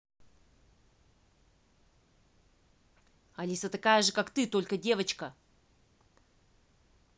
алиса такая же как ты только девочка